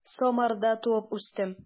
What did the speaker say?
Самарда туып үстем.